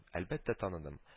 Әлбәттә, таныдым